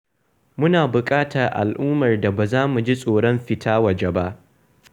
Muna buƙatar al'ummar da ba za mu ji tsoron fita waje ba!